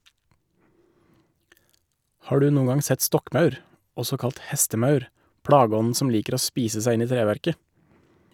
Har du noen gang sett stokkmaur, også kalt hestemaur, plageånden som liker å spise seg inn i treverket?